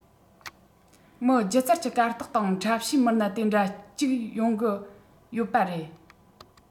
མི སྒྱུ རྩལ གྱི གར སྟེགས སྟེང འཁྲབ བྱའི མི སྣ དེ འདྲ གཅིག ཡོང གི ཡོད པ རེད